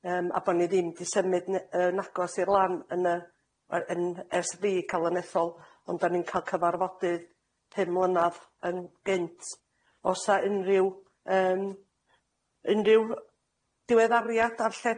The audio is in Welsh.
Yym a bo' ni ddim di symud ne- yn agos i'r lan yn yy we- yn ers fi ca'l yn ethol ond o'n i'n ca'l cyfarfodydd pum mlynadd yn gynt o's a unrhyw yym unrhyw diweddariad ar lle